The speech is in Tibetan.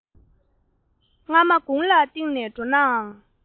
རྔ མ དགུང ལ བཏེགས ནས འགྲོ ནའང